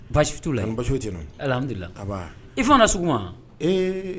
Basi' la basi tɛdulila i fana sugu sɔgɔma